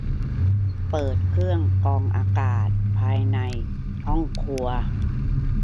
เปิดเครื่องกรองอากาศภายในห้องครัว